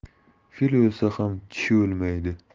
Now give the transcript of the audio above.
fil o'lsa ham tishi o'lmaydi